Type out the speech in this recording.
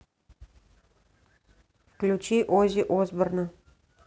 включи оззи осборна